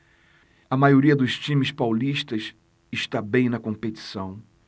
a maioria dos times paulistas está bem na competição